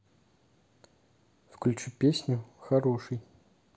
включи песню хороший